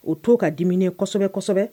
O to ka dum kosɛbɛ kosɛbɛ